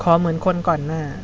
ขอเหมือนคนก่อนหน้า